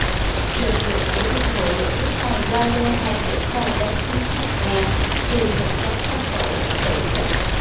lực lượng của đinh bộ lĩnh lúc này do lê hoàn dẫn đầu đánh chiếm thành mè kiều thuận chống không nổi tử trận